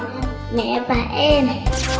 mẹ và em